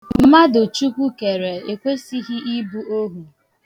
Mmadu Chukwu kere ewesighị ịbụ ohu.